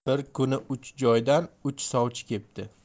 bir kuni uch joydan uch sovchi kepti